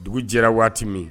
Dugu jɛra waati min